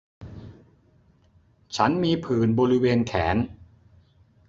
ฉันมีผื่นบริเวณแขน